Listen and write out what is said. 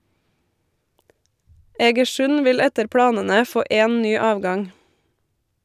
Egersund vil etter planene få én ny avgang.